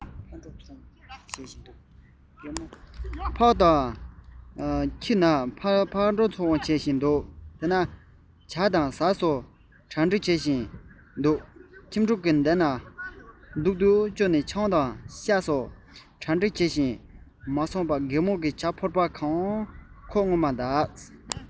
ཕག དང ཁྱི འཁྱམ ཁ ཤས ཕར འགྲོ ཚུར འོང བྱེད བཞིན འདུག རྒད མོ ཡར རྒྱུག མར རྒྱུག བྱེད བཞིན ཇ དང ཟས སོགས གྲ སྒྲིག བྱེད བཞིན འདུག ཁྱིམ ཕུག གི གདན ལ འདུག ཏུ བཅུག ཆང དང ཤ སོགས ཀྱང གྲ སྒྲིག བྱེད ཐུབ མ སོང རྒད མོས ཇ ཕོར པ གང ཞོག ཁོག བརྔོས མ